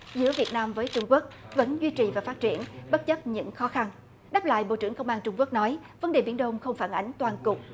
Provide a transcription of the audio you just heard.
giữa việt nam với trung quốc vẫn duy trì và phát triển bất chấp những khó khăn đáp lại bộ trưởng công an trung quốc nói vấn đề biển đông không phản ánh toàn cục